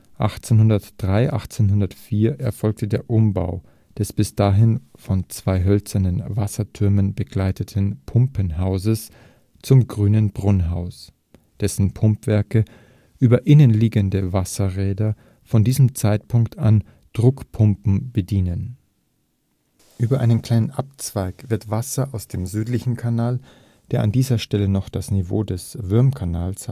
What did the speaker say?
1803 / 04 erfolgte der Umbau des bis dahin von zwei hölzernen Wassertürmen begleiteten Pumpenhauses zum Grünen Brunnhaus, dessen Pumpwerke über innenliegende Wasserräder von diesem Zeitpunkt an Druckpumpen bedienen. Über einen kleinen Abzweig wird Wasser aus dem südlichen Kanal, der an dieser Stelle noch das Niveau des Würmkanals